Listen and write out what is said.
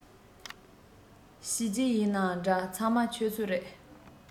བྱས རྗེས ཡིན ནའང འདྲ ཚང མ ཁྱེད ཚོའི རེད